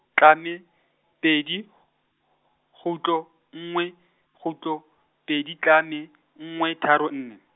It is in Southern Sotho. tlame, pedi , kgutlo, nngwe, kgutlo, pedi tlame, nngwe tharo nne.